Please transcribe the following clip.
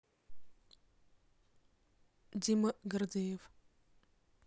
дима гордеев